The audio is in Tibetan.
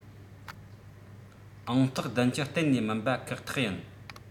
ཨང རྟགས ༧༠ གཏན ནས མིན པ ཁག ཐག ཡིན